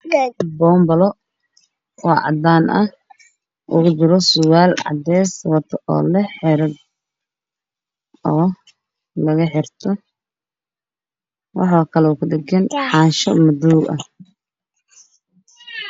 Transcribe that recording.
Boombale cadaan ah ugu jiro surwaal cadees ah waxaana ku dhagan xaasho madow ah